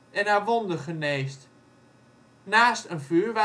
en haar wonden geneest naast een vuur